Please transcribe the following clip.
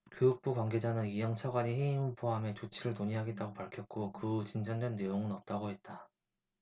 교육부 관계자는 이영 차관이 해임을 포함해 조치를 논의하겠다고 밝혔고 그 후 진전된 내용은 없다고 했다